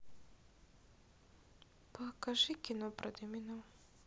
покажи кино про домино